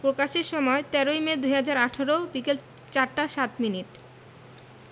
প্রকাশের সময় ১৩মে ২০১৮ বিকেল ৪ টা ০৭ মিনিট